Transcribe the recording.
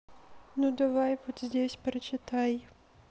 ну давай вот здесь прочитай